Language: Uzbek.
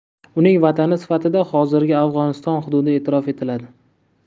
uning vatani sifatida hozirgi afg'oniston hududi e'tirof etiladi